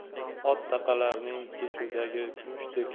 ot taqalarining kechuvdagi kumushdek